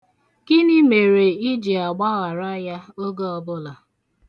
Gịnị mere ị ji agbaghara ya oge ọbụla?